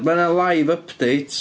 Ma' 'na live updates.